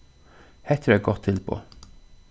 hetta er eitt gott tilboð